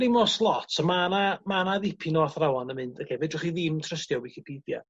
dwnim os lot ond ma' 'na... ma' 'na ddipyn o athrawon yn mynd oce fedrwch chi ddim trystio